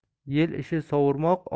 yel ishi sovurmoq